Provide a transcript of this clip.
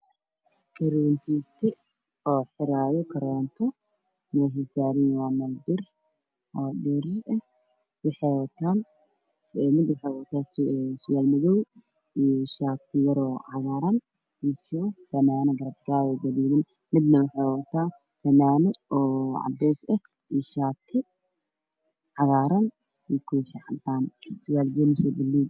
Meeshaan waxaa taagan saddex nin duco wataa sarwaal caddeyn ah iyo tijaabo noocee wata caddeysa a doona